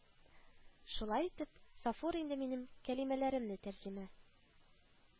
Шулай итеп, Сафур инде минем кәлимәләремне тәрҗемә